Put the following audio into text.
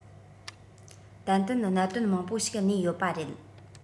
ཏན ཏན གནད དོན མང པོ ཞིག གནས ཡོད པ རེད